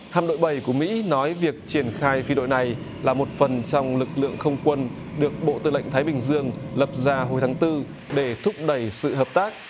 hạm đội bảy của mỹ nói việc triển khai phi đội này là một phần trong lực lượng không quân được bộ tư lệnh thái bình dương lập ra hồi tháng tư để thúc đẩy sự hợp tác